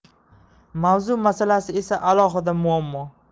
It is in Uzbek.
mavzu masalasi esa alohida muammo